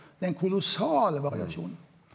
det er ein kolossal variasjon.